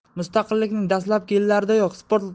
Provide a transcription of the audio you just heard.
mustaqillikning dastlabki yillaridayoq sport